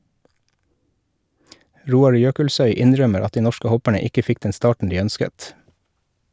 Roar Ljøkelsøy innrømmer at de norske hopperne ikke fikk den starten de ønsket.